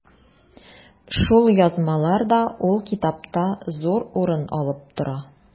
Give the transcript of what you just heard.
Шул язмалар да ул китапта зур урын алып тора.